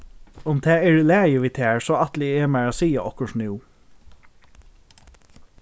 um tað er í lagi við tær so ætli eg mær at siga okkurt nú